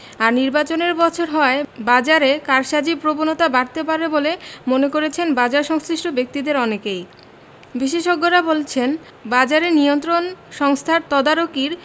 আর নির্বাচনের বছর হওয়ায় বাজারে কারসাজির প্রবণতা বাড়তে পারে বলে মনে করেছেন বাজারসংশ্লিষ্ট ব্যক্তিদের অনেকে বিশেষজ্ঞরা বলছেন বাজারে নিয়ন্ত্রক সংস্থার তদারকির